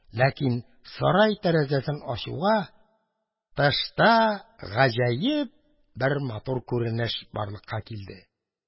Ләкин сарай тәрәзәсен ачуга, тышта гаҗәеп матур бер күренеш барлыкка килде.